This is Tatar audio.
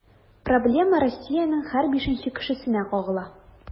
Проблема Россиянең һәр бишенче кешесенә кагыла.